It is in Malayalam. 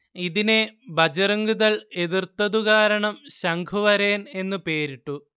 ഇതിനെ ബജ്റംഗ്ദൾ എതിർത്തതുകാരണം 'ശംഖുവരയൻ' എന്ന് പേരിട്ടു